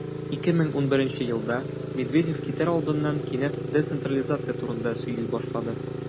2011 елда медведев китәр алдыннан кинәт децентрализация турында сөйли башлады.